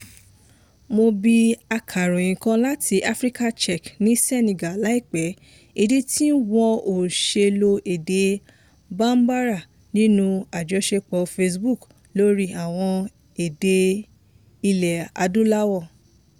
Mo bi akọ̀ròyìn kan láti Africa Check ní Senegal láìpẹ́ ìdí tí wọn ò ṣe lo èdè Bambara nínú àjọṣepọ̀ Facebook lórí àwọn èdè ilẹ̀ Adúláwọ̀.